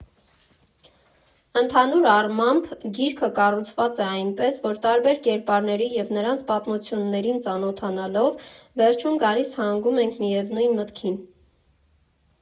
Ընդհանուր առմամբ, գիրքը կառուցված է այնպես, որ տարբեր կերպարների և նրանց պատմություններին ծանոթանալով՝ վերջում գալիս֊հանգում ենք միևնույն մտքին.